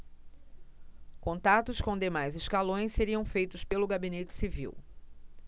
contatos com demais escalões seriam feitos pelo gabinete civil